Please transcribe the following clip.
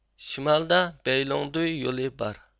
شىمالدا بەيلوڭدۇي يولى بار